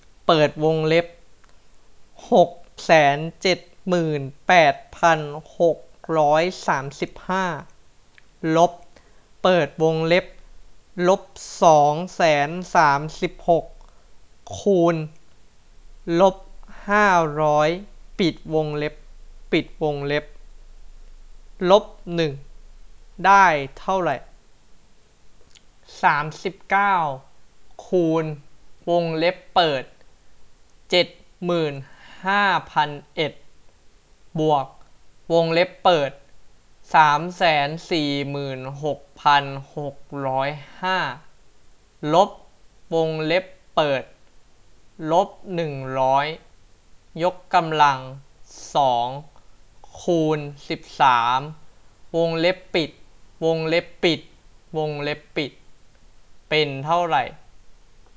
สามสิบเก้าคูณวงเล็บเปิดเจ็ดหมื่นห้าพันเอ็ดบวกวงเล็บเปิดสามแสนสี่หมื่นหกพันหกร้อยห้าลบวงเล็บเปิดลบหนึ่งร้อยยกกำลังสองคูณสิบสามวงเล็บปิดวงเล็บปิดวงเล็บปิดเป็นเท่าไร